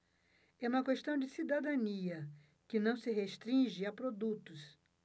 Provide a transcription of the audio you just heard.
é uma questão de cidadania que não se restringe a produtos